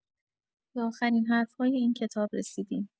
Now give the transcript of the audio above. به آخرین حرف‌های این کتاب رسیدیم.